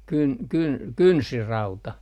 -- kynsirauta